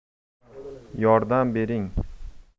yordam bering